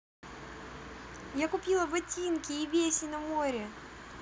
я купила ботинки и веси на море